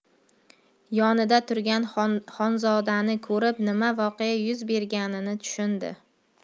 yonida turgan xonzodani ko'rib nima voqea yuz berganini tushundi